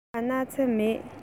ང ལ སྣག ཚ མེད